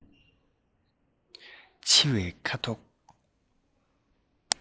འཆི བའི ཁ དོག